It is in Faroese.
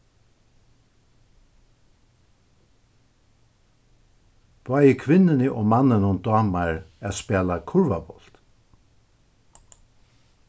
bæði kvinnuni og manninum dámar at spæla kurvabólt